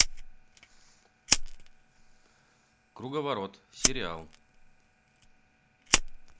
круговорот сериал